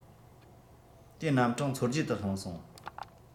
དེའི རྣམ གྲངས མཚོ རྒྱུད དུ ལྷུང སོང